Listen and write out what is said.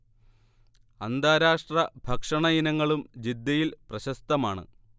അന്താരാഷ്ട്ര ഭക്ഷണ ഇനങ്ങളും ജിദ്ദയിൽ പ്രശസ്തമാണ്